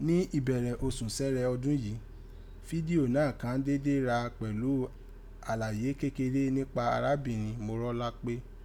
Ni ìbẹ̀rẹ̀ osùn Sẹẹrẹ ọdọ́n yìí, fídíò náà kàn dédé rá pẹ̀lú àlàyé kékeré nípa arábìnrẹn Mọrọ́lápé.